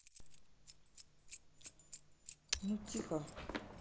ну тихо